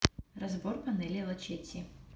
разбор панели лачетти